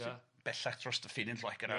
sy bellach dros y ffin yn Lloegr...Ia...